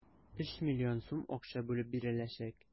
3 млн сум акча бүлеп биреләчәк.